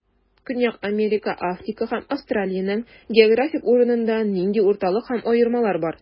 Көньяк Америка, Африка һәм Австралиянең географик урынында нинди уртаклык һәм аермалар бар?